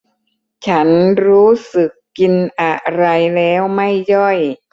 ฉันรู้สึกกินอะไรแล้วไม่ย่อย